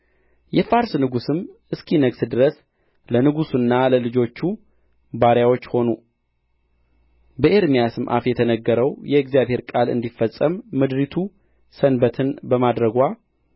የፋርስ ንጉሥም እስኪነግሥ ድረስ ለንጉሡና ለልጆቹ ባሪያዎች ሆኑ በኤርምያስም አፍ የተነገረው የእግዚአብሔር ቃል እንዲፈጸም ምድሪቱ ሰንበትን በማድረግዋ